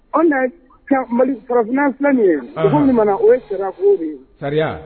O tɛ ka mali farafinfi min ye minnu mana o ye kɛra de ye sariya